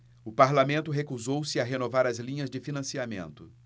o parlamento recusou-se a renovar as linhas de financiamento